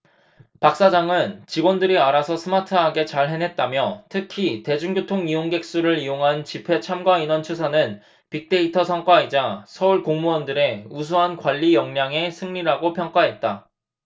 박 시장은 직원들이 알아서 스마트하게 잘 해냈다며 특히 대중교통 이용객 수를 이용한 집회 참가 인원 추산은 빅데이터 성과이자 서울 공무원들의 우수한 관리역량의 승리라고 평가했다